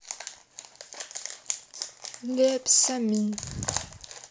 лепс аминь